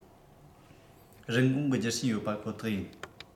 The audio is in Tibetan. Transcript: རིན གོང གི རྒྱུ རྐྱེན ཡོད པ ཁོ ཐག ཡིན